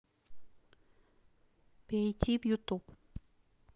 перейти в ютуб